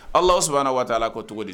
Alahu subahaanahu wataala ko togodi